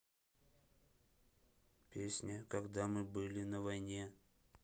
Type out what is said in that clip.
песня когда мы были на войне